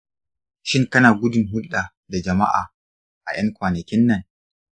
shin kana gudun hulɗa da jama'a a 'yan kwanakin nan?